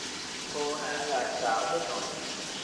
โทรหาหลานสาวให้หน่อย